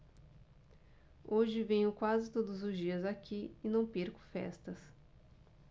hoje venho quase todos os dias aqui e não perco festas